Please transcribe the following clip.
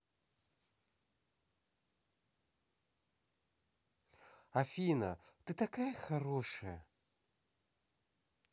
афина ты такая хорошая